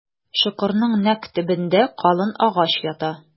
Чокырның нәкъ төбендә калын агач ята.